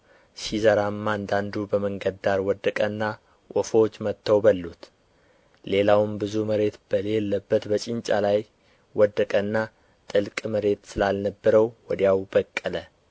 ሲዘራም አንዳንዱ በመንገድ ዳር ወደቀና ወፎች መጥተው በሉት ሌላውም ብዙ መሬት በሌለበት በጭንጫ ላይ ወደቀና ጥልቅ መሬት ስላልነበረው ወዲያው በቀለ